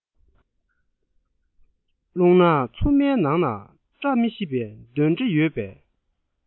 རླུང ནག འཚུབ མའི ནང ན བཀྲ མི ཤིས པའི གདོན འདྲེ ཡོད པས